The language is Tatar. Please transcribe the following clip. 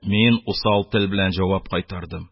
Мин усал тел белән җавап кайтардым: